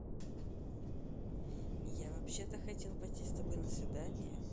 я вообще то хотел пойти с тобой на свидание